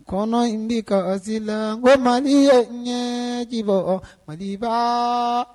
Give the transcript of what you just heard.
Kɔnɔ in bɛ kaasi la, n ko Mali ye ɲɛɛji bɔ, Maliba